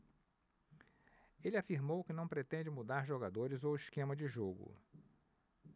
ele afirmou que não pretende mudar jogadores ou esquema de jogo